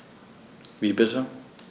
Wie bitte?